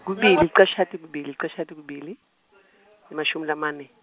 kubili, licashati, kubili, licashati, kubili, emashumi lamane.